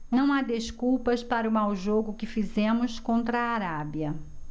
não há desculpas para o mau jogo que fizemos contra a arábia